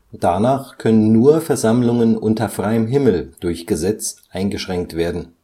Danach können nur Versammlungen unter freiem Himmel durch Gesetz eingeschränkt werden